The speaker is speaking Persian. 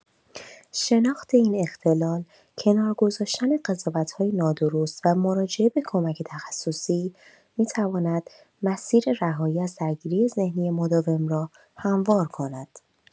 شناخت این اختلال، کنار گذاشتن قضاوت‌های نادرست و مراجعه به کمک تخصصی، می‌تواند مسیر رهایی از درگیری ذهنی مداوم را هموار کند.